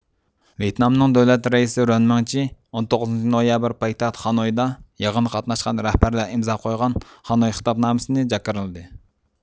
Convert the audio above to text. ۋيېتنامنىڭ دۆلەت رەئىسى رۇەنمىڭجې ئون توققۇزىنچى نويابىر پايتەخت خانويدا يىغىنغا قاتناشقان رەھبەرلەر ئىمزا قويغان خانوي خىتابنامىسىنى جاكارلىدى